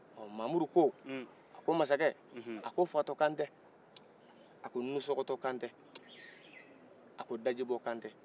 mamudu ko a ko masakɛ a ko faatɔ kan tɛ a ko nusɔgɔtɔ kan tɛ a ko dajibɔ kan tɛ